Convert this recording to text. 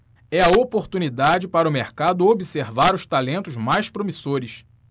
é a oportunidade para o mercado observar os talentos mais promissores